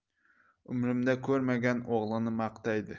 umrimda ko'rmagan o'g'lini maqtaydi